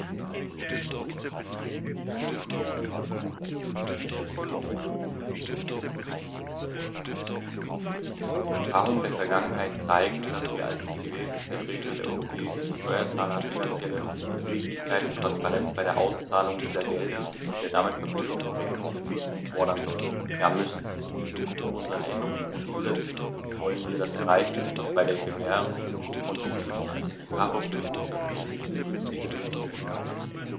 Die Erfahrungen der Vergangenheit zeigen, dass wir als die gewählten Vertreter der europäischen Steuerzahler finanzielle Redlichkeit und Transparenz bei der Auszahlung dieser Gelder und der damit verbundenen Rechnungsprüfung fordern sollten, ja müssen. Mit unseren Änderungen und Zusätzen wollen wir das erreichen, was bei der Gewährung von Zuschüssen als Indikator für die wirtschaftlich günstigste Lösung dienen kann.